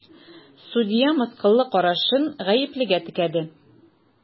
Судья мыскыллы карашын гаеплегә текәде.